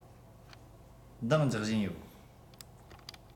འདང རྒྱག བཞིན ཡོད